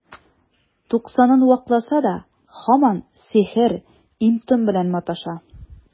Туксанын вакласа да, һаман сихер, им-том белән маташа.